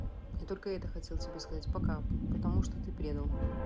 я только это хотел тебе сказать пока потому что ты меня предал